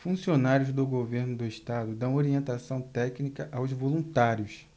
funcionários do governo do estado dão orientação técnica aos voluntários